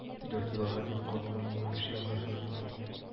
Дүрт елга дип калуым унбиш елга сузылды.